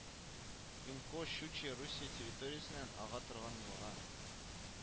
Юнко-Щучья Русия территориясеннән ага торган елга